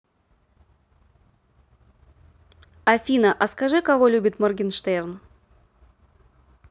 афина а скажи кого любит моргенштерн